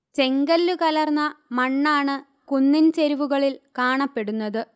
ചെങ്കല്ലു കലർന്ന മണ്ണാണ് കുന്നിൻ ചെരുവുകളിൽ കാണപ്പെടുന്നത്